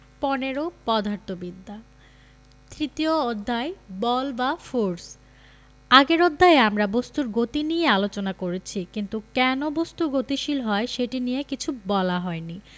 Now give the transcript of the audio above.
১৫ পদার্থবিদ্যা তৃতীয় অধ্যায় বল বা ফোরস আগের অধ্যায়ে আমরা বস্তুর গতি নিয়ে আলোচনা করেছি কিন্তু কেন বস্তু গতিশীল হয় সেটি নিয়ে কিছু বলা হয়নি